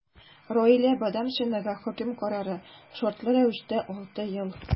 Раилә Бадамшинага хөкем карары – шартлы рәвештә 6 ел.